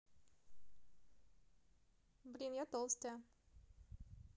блин я толстая